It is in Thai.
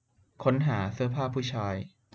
ค้นหาเสื้อผ้าผู้ชาย